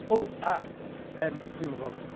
O, a yym dwi'n gwybod...